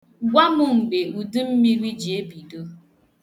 Gwa m mgbe udummiri ji ebido.